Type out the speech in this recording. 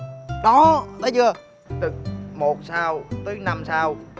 đó thấy chưa từ một sao tới năm sao